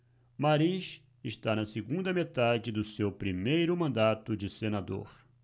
mariz está na segunda metade do seu primeiro mandato de senador